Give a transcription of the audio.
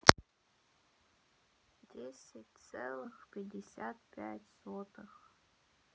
десять целых пятьдесят пять сотых